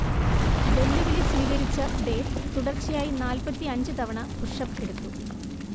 വെല്ലുവിളി സ്വീകരിച്ച ദേബ് തുടർച്ചയായി നാല്പത്തിയഞ്ചു തവണ പുഷ്അപ് എടുത്തു